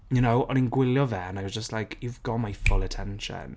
You know o'n i'n gwylio fe and I was just like "you've got my full attention".